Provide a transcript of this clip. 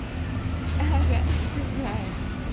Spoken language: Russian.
ага забивная